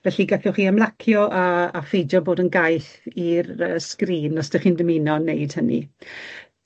Felly gallwch chi ymlacio a a pheidio bod yn gaeth i'r yy sgrin os 'dach chi'n dymuno wneud hynny.